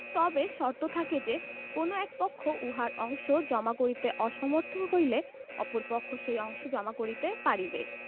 তবে শর্ত থাকে যে কোন এক পক্ষ উহার অংশ জমা করিতে অসমর্থ হইলে অপর পক্ষ সেই অংশ জমা করিতে পারিবে